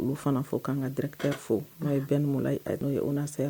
Olu fana fo k' kan ka d fo n'o ye bɛn numu n'o ye u na saya